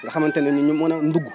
loo xamante ne nit ñi mën a ndugg